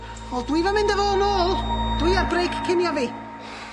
Wel dwi'm yn mynd â fo yn ôl. Dwi ar brêc cinio fi.